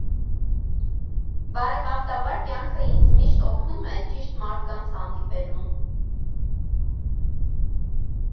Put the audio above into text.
Բարեբախտաբար, կյանքը ինձ միշտ օգնում է ճիշտ մարդկանց հանդիպելուն։